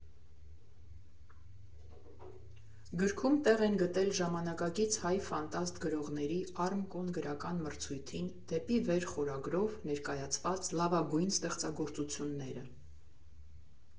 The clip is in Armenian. Գրքում տեղ են գտել ժամանակակից հայ ֆանտաստ գրողների՝ «Արմկոն» գրական մրցույթին («Դեպի վեր» խորագրով) ներկայացված լավագույն ստեղծագործությունները։